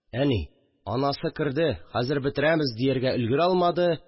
Әни: «Анасы керде, хәзер бетерәмез!» – дияргә өлгерә алмады